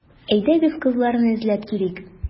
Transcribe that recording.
Әйдәгез, кызларны эзләп килик әле.